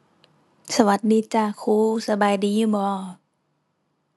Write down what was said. สวัสดีจ้าครู สบายดีอยู่บ่